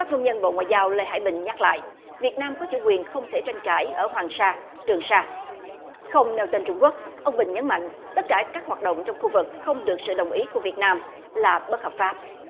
các công nhân bộ ngoại giao lê hải bình nhắc lại việt nam có chủ quyền không thể tranh cãi ở hoàng sa trường sa không nêu tên trung quốc ông bình nhấn mạnh tất cả các hoạt động trong khu vực không được sự đồng ý của việt nam là bất hợp pháp